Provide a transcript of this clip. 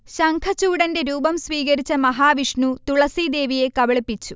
ശംഖചൂഢന്റെ രൂപം സ്വീകരിച്ച മഹാവിഷ്ണു തുളസീദേവിയെ കബളിപ്പിച്ചു